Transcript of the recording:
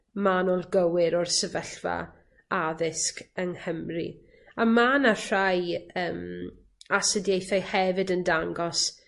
manwl gywir o'r sefyllfa addysg yng Nghymru a ma' 'na rhai yym asidiaethau hefyd yn dangos